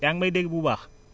yaa ngi may dégg bu baax